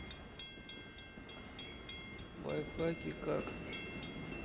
лайфхаки как